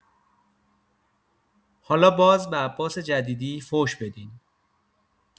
حالا باز به عباس جدیدی فحش بدین.